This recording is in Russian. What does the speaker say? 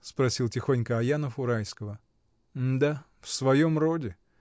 — спросил тихонько Аянов у Райского. — Да, в своем роде.